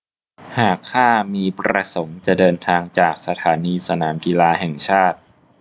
หากข้ามีประสงค์จะเดินทางจากสถานีสนามกีฬาแห่งชาติ